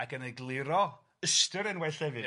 ac yn egluro ystyr enwa llefydd... Ia...